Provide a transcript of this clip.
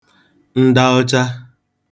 nda ọcha